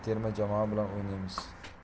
terma jamoa bilan o'ynaymiz